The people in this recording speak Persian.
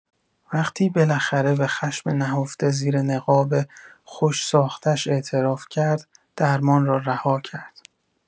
وقتی بالاخره به خشم نهفته زیر نقاب خوش‌ساختش اعتراف کرد، درمان را رها کرد.